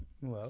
waaw